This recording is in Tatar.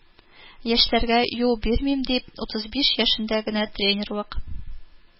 Яшьләргә юл бирим дип, утыз биш яшендә генә тренерлык